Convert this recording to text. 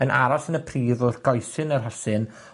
yn aros yn y pridd wrth goesyn y rhosyn.